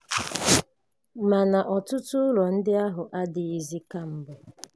Mana ọtụtụ ụlọ ndị ahụ adịghịzị kemgbe.